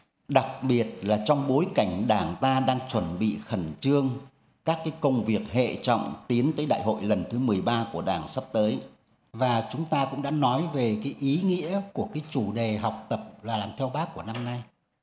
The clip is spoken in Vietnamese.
đặc biệt là trong bối cảnh đảng ta đang chuẩn bị khẩn trương các cái công việc hệ trọng tiến tới đại hội lần thứ mười ba của đảng sắp tới và chúng ta cũng đã nói về cái ý nghĩa của cái chủ đề học tập và làm theo bác của năm nay